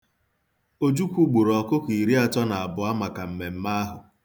Ojukwu gburu ọkụkọ iriatọ na abụọ maka mmemme ahụ.